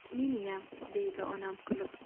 meniyam deydi onam kulib